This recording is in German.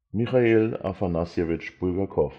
Michail Afanassjewitsch Bulgakow